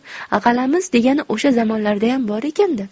g'alamis degani o'sha zamonlardayam bor ekan da